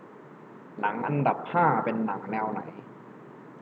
หนังอันดับห้าเป็นหนังแนวไหน